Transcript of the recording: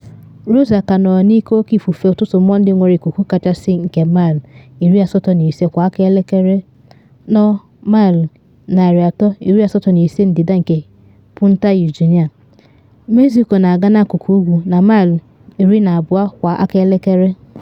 Rosa, ka nọrọ n’ike oke ifufe ụtụtụ Mọnde nwere ikuku kachasị nke maịlụ 85 kwa aka elekere, nọ maịlụ 385 ndịda nke Punta Eugenia, Mexico na aga n’akụkụ ugwu na maịlụ 12 kwa aka elekere.